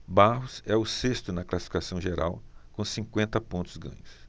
barros é o sexto na classificação geral com cinquenta pontos ganhos